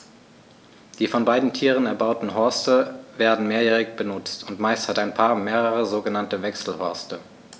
Die von beiden Tieren erbauten Horste werden mehrjährig benutzt, und meist hat ein Paar mehrere sogenannte Wechselhorste.